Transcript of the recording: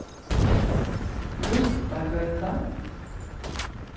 runtagøta